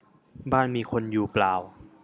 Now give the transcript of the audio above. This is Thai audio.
บ้านมีคนอยู่เปล่า